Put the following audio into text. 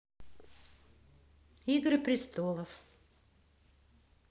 игры престолов